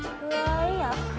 ghê quá